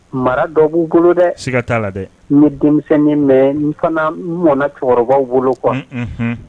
Mara dɔ b'u bolo dɛ siiga ttaa la dɛ ni denmisɛn bɛ n fana mɔn cɛkɔrɔba bolo kɔnɔ